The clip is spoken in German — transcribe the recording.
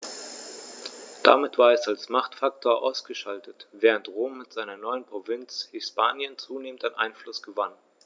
Damit war es als Machtfaktor ausgeschaltet, während Rom mit seiner neuen Provinz Hispanien zunehmend an Einfluss gewann.